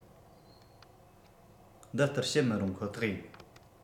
འདི ལྟར བཤད མི རུང ཁོ ཐག ཡིན